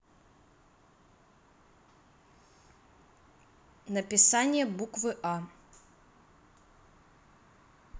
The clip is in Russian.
написание буквы а